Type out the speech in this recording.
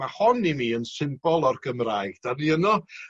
ma' hon i mi yn symbol o'r Gymraeg 'dan ni yno